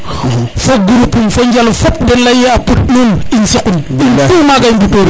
fo groupe um fo Njalo fop ten leyu ye a put nuun in saqun in tout maga i mbutoru